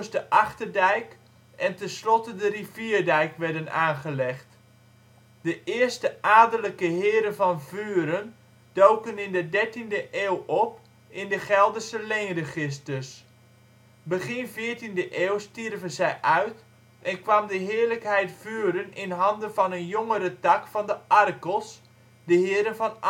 de Achterdijk en tenslotte de rivierdijk werden aangelegd. De eerste adellijke heren van Vuren doken in de dertiende eeuw op in de Gelderse leenregisters. Begin veertiende eeuw stierven zij uit en kwam de heerlijkheid Vuren in handen van een jongere tak van de Arkels, de heren van Asperen